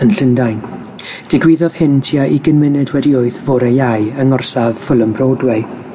yn Llundain. Digwyddodd hyn tua ugain munud wedi wyth fore Iau yng ngorsaf Fulham Broadway.